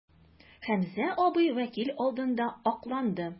Хәмзә абый вәкил алдында акланды.